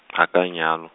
ga ka a nyalwa.